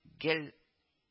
Гел